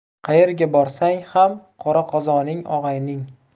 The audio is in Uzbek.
qayerga borsang ham qora qozoning og'ayning